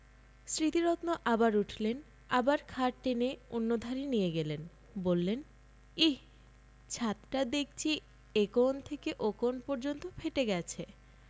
স্মৃতিরত্ন আবার উঠলেন আবার খাট টেনে অন্যধারে নিয়ে গেলেন বললেন ইঃ ছাতটা দেখচি এ কোণ থেকে ও কোণ পর্যন্ত ফেটে গেছে